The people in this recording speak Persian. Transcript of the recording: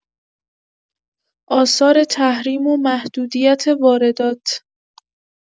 آثار تحریم و محدودیت واردات